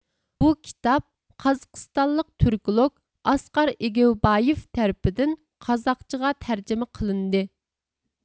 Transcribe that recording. بۇ كىتاب قازاقىستانلىق تۈركولوگ ئاسقار ئېگېۋبايېۋ تەرىپىدىن قازاقچىغا تەرجىمە قىلىندى